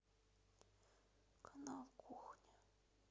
канал кухня